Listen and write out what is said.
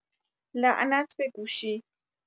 لعنت به گوشی